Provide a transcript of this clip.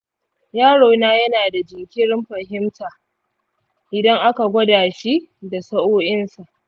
yarona yana da jinkirin fahimta idan aka gwada shi da sa'o'ins